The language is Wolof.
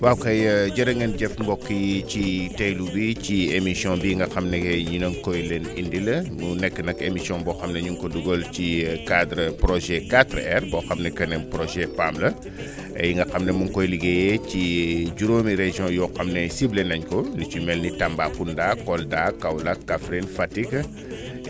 waaw kay jërë ngeen jëf mbokk yi ci teeylu bi ci émission bii nga xam ne yéen a ngi koy leen indil mu nekk nag émission boo xam ne ñu ngi ko dugal ci cadre projet 4R boo xam ni que ne projet PAM la nga xam ne mu ngi koy liggéeyee ci juróomi régions yoo xam ne ciblé nañ ko li ci mel ni Tambacounda Kolda Kaolack Kaffrine Fatick